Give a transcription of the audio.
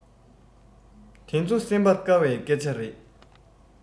དེ ཚོ སེམས པ དཀར བའི སྐད ཆ རེད